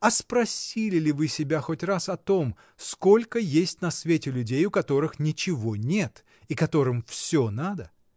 А спросили ли вы себя хоть раз о том: сколько есть на свете людей, у которых ничего нет и которым всё надо?